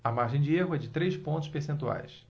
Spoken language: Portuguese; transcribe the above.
a margem de erro é de três pontos percentuais